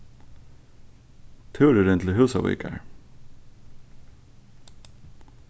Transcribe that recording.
túrurin til húsavíkar